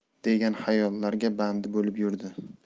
degan xayollarga bandi bo'lib yurdi